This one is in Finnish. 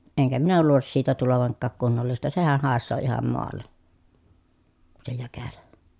enkä minä luulisi siitä tulevankaan kunnollista sehän haisee ihan maalle se jäkälä